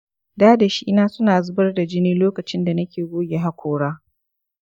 dadashi na suna zubar da jini lokacin da nake goge hakora.